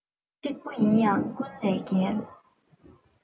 གཅིག པུ ཡིན ཡང ཀུན ལས རྒྱལ